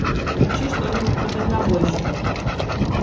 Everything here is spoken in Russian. включи что нибудь про дальнобойщиков